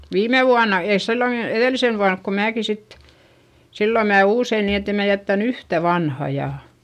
viime vuonna ei silloinkin edellisenä vuonna kun minäkin sitten silloin minä uusin niin että en minä jättänyt yhtään vanhaa ja